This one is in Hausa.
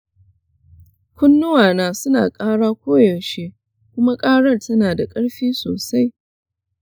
kunnuwana suna ƙara koyaushe kuma ƙarar tana da ƙarfi sosai.